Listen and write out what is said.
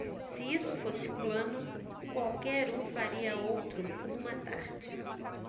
se isso fosse plano qualquer um faria outro numa tarde